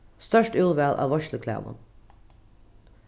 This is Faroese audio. stórt úrval av veitsluklæðum